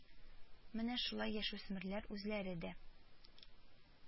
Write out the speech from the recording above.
Менә шулай яшүсмерләр үзләре дә